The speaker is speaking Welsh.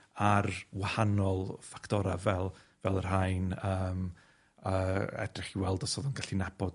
ar wahanol ffactora' fel fel yr rhain, yym a edrych i weld os o'dd o'n gallu nabod